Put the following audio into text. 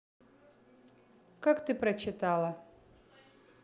как ты прочитала